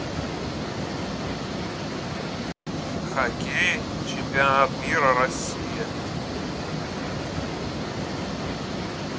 хоккей чемпионат мира россия